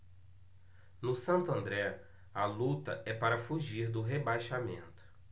no santo andré a luta é para fugir do rebaixamento